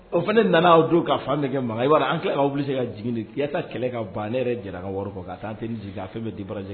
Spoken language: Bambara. O fana ne nana' don ka fan min ma an kɛ bilisi se ka jiginta kɛlɛ ka ban ne yɛrɛ jira ka wɔɔrɔ kɔ ka taa tɛ jigin' fɛn bɛ di barajɛ